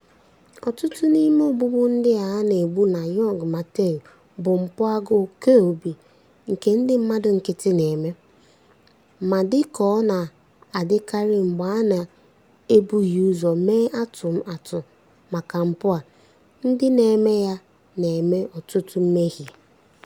Ọtụtụ n'ime ogbugbu ndị a na-egbu na Yau Ma Tei bụ mpụ agụụ keobi nke ndị mmadu nkịtị na-eme, ma dị ka ọ na-adịkarị mgbe a na-ebughị ụzọ mee atụmatụ maka mpụ ahụ, ndị na-eme ya na-eme ọtụtụ mmehie.